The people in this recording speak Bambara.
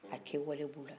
a kɛwale b' u la